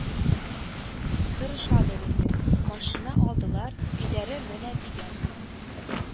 Тырышадыр инде, машина алдылар, өйләре менә дигән